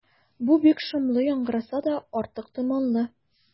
Бу бик шомлы яңгыраса да, артык томанлы.